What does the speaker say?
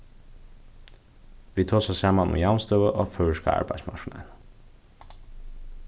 vit tosa saman um javnstøðu á føroyska arbeiðsmarknaðinum